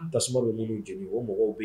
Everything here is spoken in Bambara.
Tasuma dɔw minnuu jigin o mɔgɔw bɛ